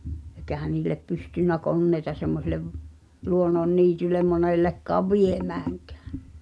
eikä niille pystynyt koneita semmoiselle luonnonniitylle monellekaan viemäänkään